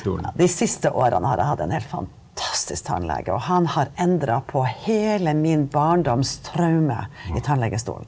ja de siste årene har jeg hatt en helt fantastisk tannlege og han har endra på hele min barndoms traume i tannlegestolen.